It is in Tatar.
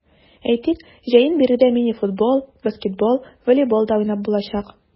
Әйтик, җәен биредә мини-футбол, баскетбол, волейбол да уйнап булачак.